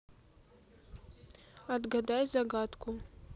отгадай загадку